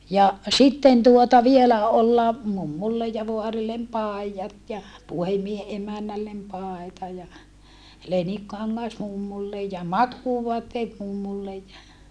ja sitten tuota vielä olla mummulle ja vaarille paidat ja puhemiehen emännälle paita ja leninkikangas mummulle ja makuuvaatteet mummulle ja